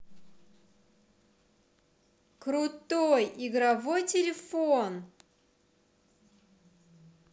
крутой игровой телефон